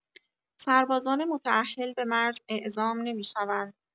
سربازان متاهل به مرز اعزام نمی‌شوند